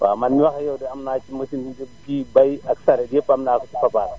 waaw man miy wax ak yow de am naa ci machine nu kii bay ak charette yépp am naa ko ci Fapal